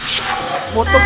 một bông